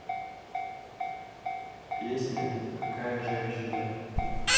песня какая женщина